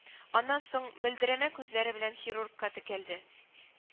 Аннан соң мөлдерәмә күзләре белән хирургка текәлде